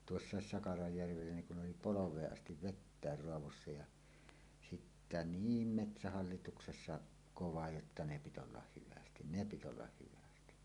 tuossa Sakarajärvellä niin kun oli polveen asti vettä raadossa ja sitten niin metsähallituksessa kova jotta ne piti olla hyvin ne piti olla hyvin